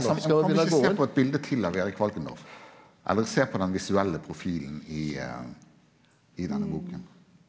vi ikkje sjå på eit bilde til av Erik Valkendorf eller sjå på den visuelle profilen i i denne boka?